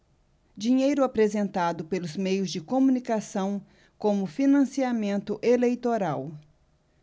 dinheiro apresentado pelos meios de comunicação como financiamento eleitoral